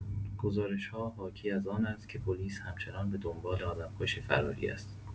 گزارش‌ها حاکی‌از آن است که پلیس همچنان به دنبال آدم‌کش فراری است.